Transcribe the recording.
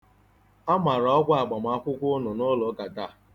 A mara ọkwa agbamakwụkwọ unu n'ụlọụka taa.